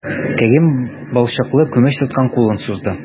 Кәрим балчыклы күмәч тоткан кулын сузды.